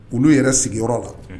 Olu yɛrɛ sigiyɔrɔ la